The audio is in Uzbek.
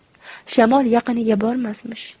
shamol yaqiniga bormasmish